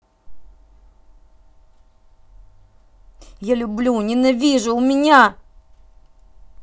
я люблю ненавижу у меня